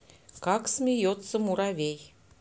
как смеется муравей